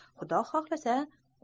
xudo xohlasa